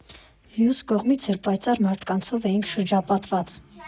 Մյուս կողմից էլ՝ պայծառ մարդկանցով էինք շրջապատված։